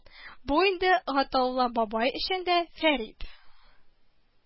Бу инде Гатаулла бабай өчен дә, Фәрит